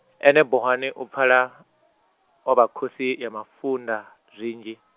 ene Bohwana u pfala , o vha khosi ya mafunda zwinzhi.